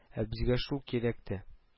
Ә безгә шул кирәк тә